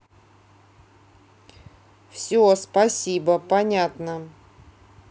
все спасибо понятно